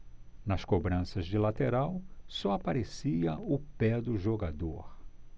nas cobranças de lateral só aparecia o pé do jogador